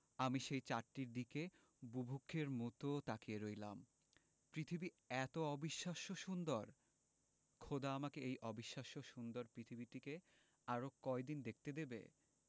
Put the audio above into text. আমি সেই চাঁদটির দিকে বুভুক্ষের মতো তাকিয়ে রইলাম পৃথিবী এতো অবিশ্বাস্য সুন্দর খোদা আমাকে এই অবিশ্বাস্য সুন্দর পৃথিবীটিকে আরো কয়দিন দেখতে দেবে